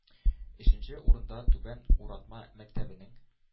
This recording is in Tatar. Өченче урында – Түбән Уратма мәктәбенең